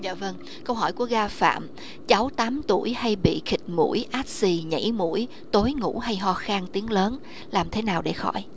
dạ vầng câu hỏi của gia phạm cháu tám tuổi hay bị khịt mũi át xì nhảy mũi tối ngủ hay ho khan tiếng lớn làm thế nào để khỏi